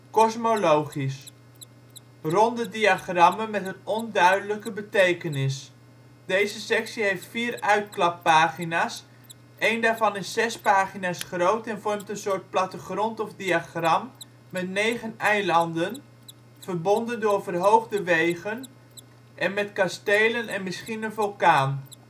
Kosmologisch Ronde diagrammen met een onduidelijke betekenis. Deze sectie heeft vier uitklappagina 's; een daarvan is zes pagina 's groot en vormt een soort van plattegrond of diagram met negen eilanden, verbonden door verhoogde wegen, en met kastelen en misschien een vulkaan. Farmaceutisch